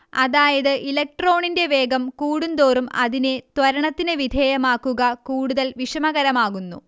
അതായത് ഇലക്ട്രോണിന്റെ വേഗം കൂടുതോറും അതിനെ ത്വരണത്തിന് വിധേയമാക്കുക കൂടുതൽ വിഷമകരമാകുന്നു